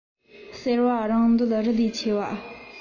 ཟེར བ རང འདོད རི ལས ཆེ བ